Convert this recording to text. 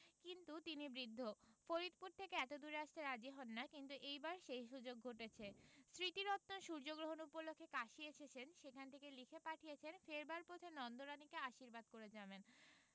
কিন্তু তিনি বৃদ্ধ ফরিদপুর থেকে এতদূরে আসতে রাজী হন না কিন্তু এইবার সেই সুযোগ ঘটেছে স্মৃতিরত্ন সূর্যগ্রহণ উপলক্ষে কাশী এসেছেন সেখান থেকে লিখে পাঠিয়েছেন ফেরবার পথে নন্দরানীকে আশীর্বাদ করে যাবেন